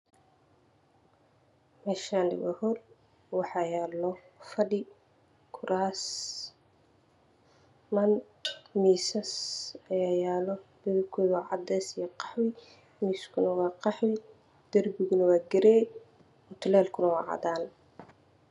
Meeshani waa hool waxaa yaalo fadhi kuraas man miisas ayaa yaalo midabkodu waa cadays iyo qaxwi miiskuna waa qaxwi darbiguna gareey mutulelkuna waa. cadaan